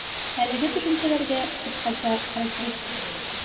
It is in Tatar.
Әлеге төшенчәләргә кыскача характеристика бирик.